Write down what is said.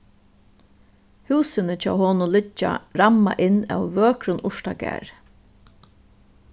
húsini hjá honum liggja rammað inn av vøkrum urtagarði